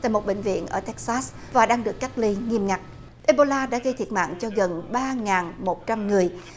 tại một bệnh viện ở tách sát và đang được cách ly nghiêm ngặt e bô la đã gây thiệt mạng cho gần ba ngàn một trăm người